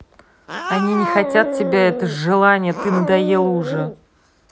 они не хотят тебя это желание ты надоела уже